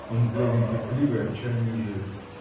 (Он сделал нетерпеливый, отчаянный жест.